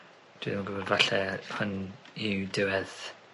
dwi ddim yn gwbod falle hwn yw diwedd